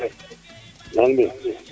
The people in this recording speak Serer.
nam nu mbiyu